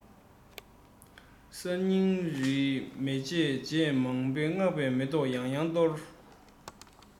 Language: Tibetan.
གསར རྙིང རིས མེད སྐྱེས ཆེན མང པོས བསྔགས པའི མེ ཏོག ཡང ཡང གཏོར